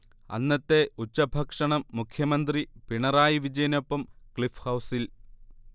അന്നത്തെ ഉച്ചഭക്ഷണം മുഖ്യമന്ത്രി പിണറായി വിജയനൊപ്പം ക്ലിഫ്ഹൗസിൽ